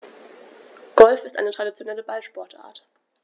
Golf ist eine traditionelle Ballsportart.